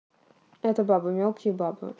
это баба мелкие баба